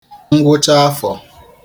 ngwụcha afọ̀